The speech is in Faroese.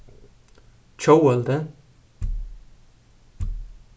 tjóðveldi